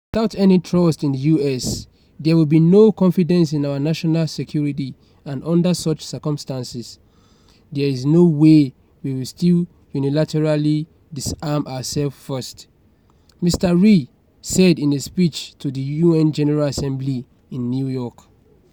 "Without any trust in the US, there will be no confidence in our national security and under such circumstances, there is no way we will unilaterally disarm ourselves first," Mr Ri said in a speech to the UN General Assembly in New York.